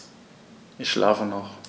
Ich schlafe noch.